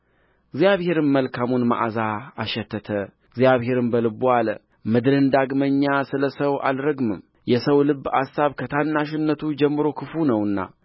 እግዚአብሔርም መልካሙን መዓዛ አሸተተ እግዚአብሔርም በልቡ አለ ምድርን ዳግመኛ ስለ ሰው አልረግምም የሰው ልብ አሳብ ከታናሽነቱ ጀምሮ ክፉ ነውና